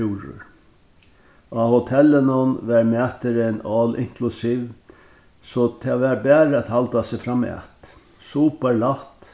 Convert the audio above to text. túrur á hotellinum var maturin all inclusive so tað var bara at halda seg framat super lætt